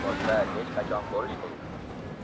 boshqa hech qachon ko'rishmaymiz